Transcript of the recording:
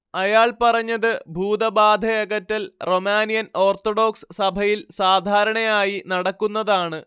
അയാൾ പറഞ്ഞത് ഭൂതബാധയകറ്റൽ റൊമാനിയൻ ഓർത്തഡോക്സ് സഭയിൽ സാധാരണയായി നടക്കുന്നതാണ്